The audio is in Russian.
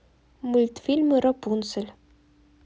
мультфильмы рапунцель